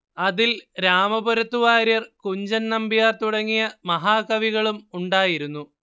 അതിൽ രാമപുരത്തു വാര്യർ കുഞ്ചൻ നമ്പ്യാർ തുടങ്ങിയ മഹാകവികളും ഉണ്ടായിരുന്നു